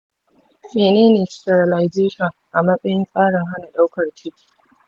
menene sterilization a matsayin tsarin hana daukar ciki?